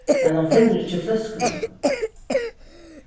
men hann finnur ikki fløskuna